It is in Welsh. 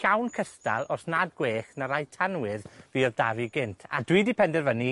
llawn cystal, os nad gwell na rai tanwydd, fuodd 'da fi gynt. A dwi 'di penderfynu